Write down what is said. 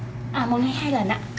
à một ngày hai lần ạ